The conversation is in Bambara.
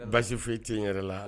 Basi foyi e tɛ yɛrɛ la